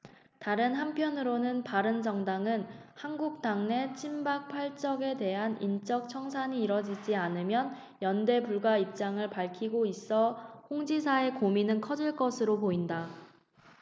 다른 한편으로는 바른정당은 한국당내 친박 팔 적에 대한 인적청산이 이뤄지지 않으면 연대 불가 입장을 밝히고 있어 홍 지사의 고민은 커질 것으로 보인다